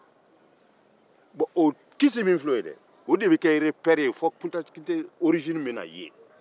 bon o kisi in bɛ kɛ repɛri ye fo kunta kite orizini bɛ na ye